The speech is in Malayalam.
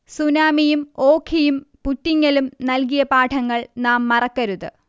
സുനാമിയും, ഓഖിയും, പുറ്റിങ്ങലും നൽകിയ പാഠങ്ങൾ നാം മറക്കരുത്